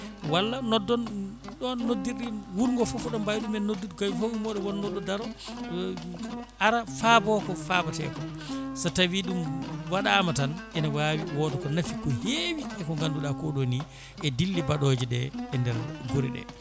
walla noddon ɗon noddirɗe wuuro ngo foof oɗon mbawi ɗumen noddude kayi foof ummo ɗo wonno ɗo daaro ara faabo ko faabete ko so tawi ɗum waɗama tan ene wawi wooda ko naafi ko heewi e ko ganduɗa koɗoni e dille mbaɗoje ɗe e nder guure ɗe